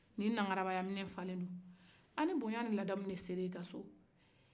nin nakarabaya mina falendon ani boɲa ni ladamu sera e ka so